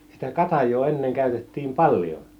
sitä katajaa ennen käytettiin paljon